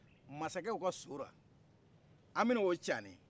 masakɛ u sola an bɛ n' o cani